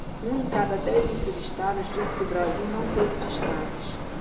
um em cada dez entrevistados disse que o brasil não teve destaques